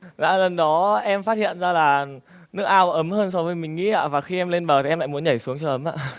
dạ lần đó em phát hiện ra là nước ao ấm hơn so với mình nghĩ ạ và khi em lên bờ thì em lại muốn nhảy xuống cho ấm ạ